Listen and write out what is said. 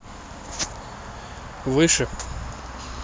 выше